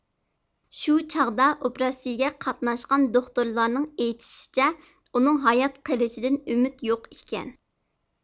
شۇ چاغدا ئوپېراتسىيىگە قاتناشقان دوختۇرلارنىڭ ئېيتىشىچە ئۇنىڭ ھايات قېلىشىدىن ئۈمۈت يوق ئىكەن